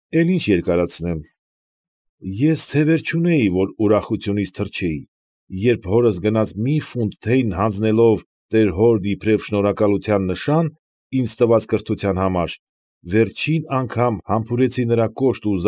Էլ ինչ երկարացնեմ, ես թևեր չունեի, որ ուրախությունիցս թռչեի, երբ հորս գնած մի ֆունտ թեյն հանձնելով տեր հորն իբր շնորհակալության նշան ինձ տված կրթության համար, վերջին անգամ համբուրեցի նրա կոշտ ու։